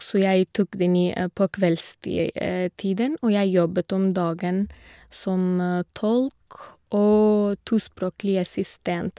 Så jeg tok den i på kveldstid tiden og jeg jobbet om dagen, som tolk og tospråklig assistent.